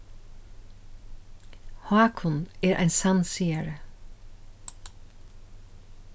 hákun er ein sannsigari